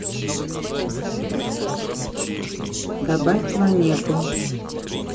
добавь планету